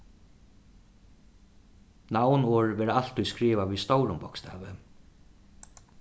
navnorð verða altíð skrivað við stórum bókstavi